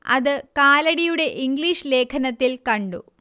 അത് കാലടിയുടെ ഇംഗ്ലീഷ് ലേഖനത്തിൽ കണ്ടു